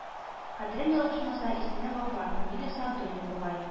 Хәтерем ял-гышмаса, исеме Вафа, фамилиясе Абдуллин бугай